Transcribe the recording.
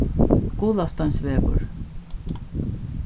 gulasteinsvegur